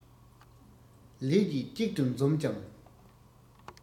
ལས ཀྱིས གཅིག ཏུ འཛོམས ཀྱང